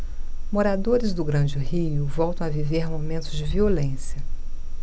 moradores do grande rio voltam a viver momentos de violência